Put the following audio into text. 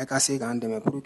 E ka se k' an dɛmɛ